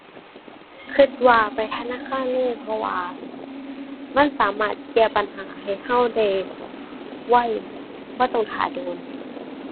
คิดว่าไปธนาคารเลย เพราะว่ามันสามารถแก้ปัญหาให้คิดได้ไว บ่ต้องท่าโดน